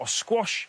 o squash